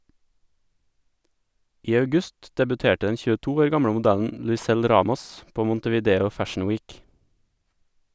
I august debuterte den 22 år gamle modellen Luisel Ramos på Montevideo Fashion Week.